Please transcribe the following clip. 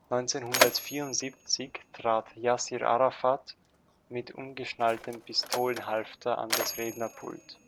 1974 trat Jassir Arafat mit umgeschnalltem Pistolenhalfter an das Rednerpult